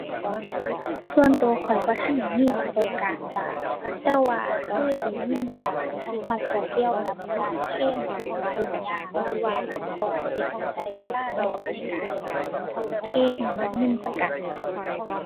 ส่วนตัวข้อยบ่ทันได้มีประสบการณ์จ้า แต่ว่าเคยได้ยินว่ามักจะเกี่ยวกับการเคลมที่ยุ่งยากหรือว่าซับซ้อน เฮ็ดให้ตัวเวลาโดนในการเคลมเงินประกัน